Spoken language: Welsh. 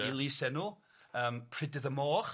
'i lysenw yym Prydydd y Moch.